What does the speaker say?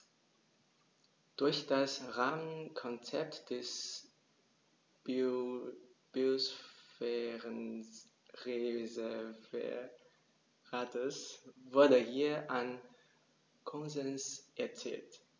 Durch das Rahmenkonzept des Biosphärenreservates wurde hier ein Konsens erzielt.